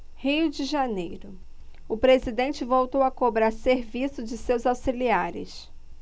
rio de janeiro o presidente voltou a cobrar serviço de seus auxiliares